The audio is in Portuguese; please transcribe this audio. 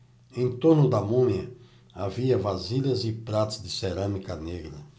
em torno da múmia havia vasilhas e pratos de cerâmica negra